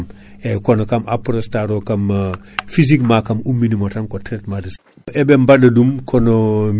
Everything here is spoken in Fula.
sygenta kaadi ko fondation mawɗo kaɓotoɗo gam sécurité alimentaire e ŋakkere haraduru